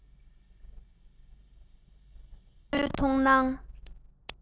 ཁ ཕྱོགས དང